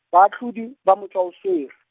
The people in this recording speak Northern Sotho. baahlodi, ba motšwaoswere.